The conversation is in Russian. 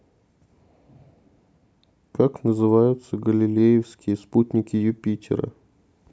как называются галилеевские спутники юпитера